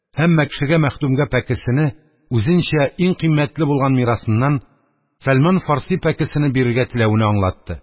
Һәммә кешегә мәхдүмгә пәкесене, үзенчә, иң кыйммәтле булган мирасыннан – Сәлман Фарси пәкесене бирергә теләвене аңлатты.